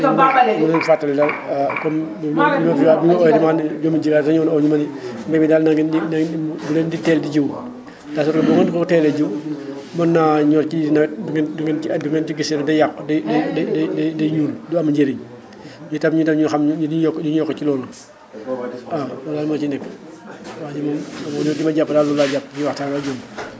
li ma li ma leen fàttali daal comme ñoom daal bi ñu ma oowee dañu maa ne ñoom Diegane sax ñoo ma oo di ma ni ne ma daal na ngeen bi leen di teel di jiw pace que boo teelee jiw mën naa ñor ci nawet du ngeen du ngeen si gis seen bopp day yàqu day day day day ñuul du am njëriñ itam ñu doog ñu xam ñu di yokk di ñu yokk ci loolu waaw loolu moo ci nekk wax ji moom li ma jàpp daal loolu laa jàpp di waxtaan ak *